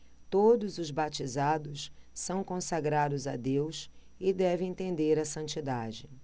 todos os batizados são consagrados a deus e devem tender à santidade